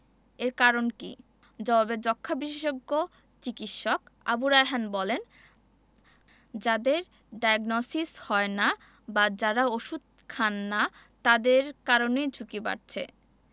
এর কারণ কী জবাবে যক্ষ্মা বিশেষজ্ঞ চিকিৎসক আবু রায়হান বলেন যাদের ডায়াগনসিস হয় না বা যারা ওষুধ খান না তাদের কারণেই ঝুঁকি বাড়ছে